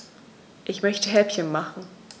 Ich möchte Häppchen machen.